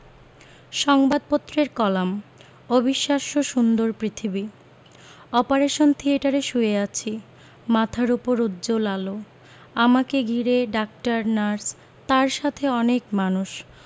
সংবাদপত্রের কলাম অবিশ্বাস্য সুন্দর পৃথিবী অপারেশন থিয়েটারে শুয়ে আছি মাথার ওপর উজ্জ্বল আলো আমাকে ঘিরে ডাক্টার নার্স তার সাথে অনেক মানুষ